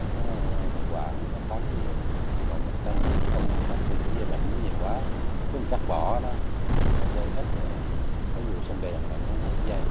có hiệu quả mới có tánh nhiều còn mình không không cắt thì cái dây bệnh nó nhiều quá cứ mình cắt bỏ nó cái dây hết thì mình xông đèn nó hết dây